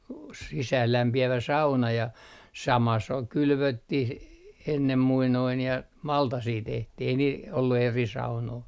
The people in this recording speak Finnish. - sisäänlämpiävä sauna ja sama se oli kylvettiin ennen muinoin ja maltasia tehtiin ei niillä ollut eri saunoja